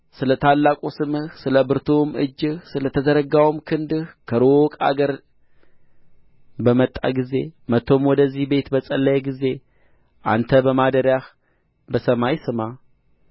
ስለ ታላቁ ስምህ ስለ ብርቱውም እጅህ ስለ ተዘረጋውም ክንድህ ከሩቅ አገር በመጣ ጊዜ መጥቶም ወደዚህ ቤት በጸለየ ጊዜ አንተ በማደሪያህ በሰማይ ስማ